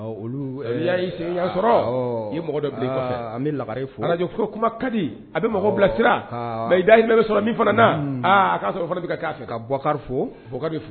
La furu kadi a bɛ mɔgɔ bilasira mɛ yayi bɛ sɔrɔ min fana a'a sɔrɔ fana bɛ'a fɛ ka bukari fokari